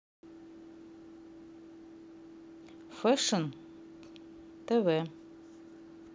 фэшн тв